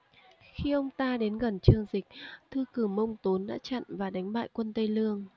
khi ông ta đến gần trương dịch thư cừ mông tốn đã chặn và đánh bại quân tây lương